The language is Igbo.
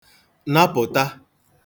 napụ̀ta